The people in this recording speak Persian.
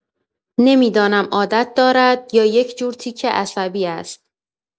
نمی‌دانم عادت دارد یا یک‌جور تیک عصبی است.